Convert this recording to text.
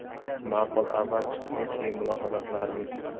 ma'qul avval chiqsin keyin mulohaza qilarmiz